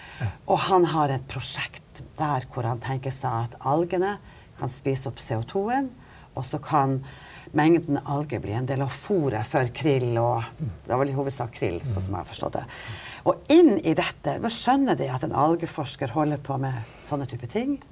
og han har et prosjekt der hvor han tenker seg at algene kan spise opp CO2-en og så kan mengden alger bli en del av foret for krill og og det var vel i hovedsak krill sånn som jeg har forstått det og inn i dette nå skjønner de at en algeforsker holder på med sånne type ting.